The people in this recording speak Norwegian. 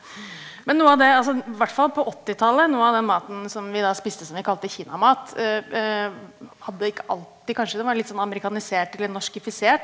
men noe av det altså hvert fall på åttitallet noe av den maten som vi da spiste som vi kalte kinamat hadde ikke alltid kanskje den var litt sånn amerikanisert eller norskifisert.